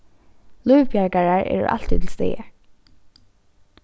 lívbjargarar eru altíð til staðar